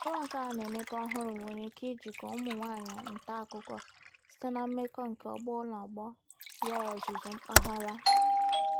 Ogbe nke a na-emepe ọhụrụ nwere ike ịjikọ ụmụ nwaanyị nta akụkọ site na mmekọ nke ọgbọ na ọgbọ ya ọzụzụ mpaghara.